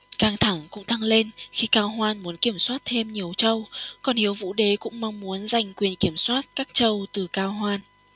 căng thẳng cũng tăng lên khi cao hoan muốn kiểm soát thêm nhiều châu còn hiếu vũ đế cũng mong muốn giành quyền kiểm soát các châu từ cao hoan